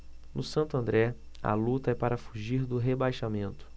no santo andré a luta é para fugir do rebaixamento